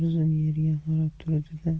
yerga qarab turdi da